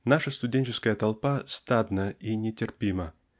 Наша студенческая толпа стадна и нетерпима